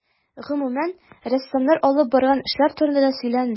Гомүмән, рәссамнар алып барган эшләр турында да сөйләнде.